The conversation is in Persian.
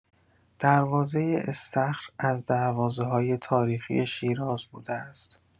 دروازه اصطخر از دروازه‌های تاریخی شیراز بوده است.